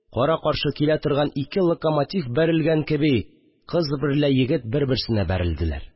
Кара-каршы килә торган ике локомотив бәрелгән кеби, кыз берлә егет бер-берсенә бәрелделәр